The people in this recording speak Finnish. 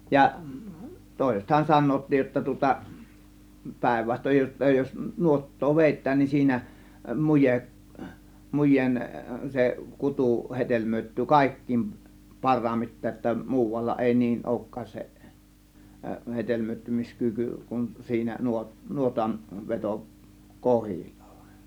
ja toisethan sanovatkin jotta tuota päinvastoin jotta jos nuottaa vedetään niin siinä muje mujeen se kutu hedelmöittyy kaikkein parhaiten jotta muualla ei niin olekaan se hedelmöittymiskyky kuin siinä - nuotan - vetokohdilla vain